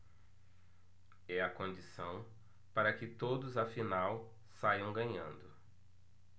é a condição para que todos afinal saiam ganhando